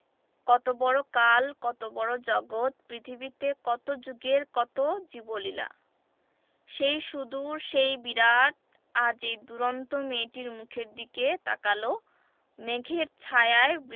কত বড় কাল কত বড় জগত পৃথিবীতে কত জুগের কত জীবলীলা সেই সুদূর সেই বিরাট আজ এই দুরন্ত মেয়েটির মুখের দিকে তাকাল মেঘের ছায়ায়